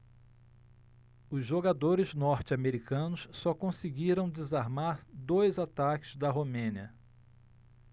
os jogadores norte-americanos só conseguiram desarmar dois ataques da romênia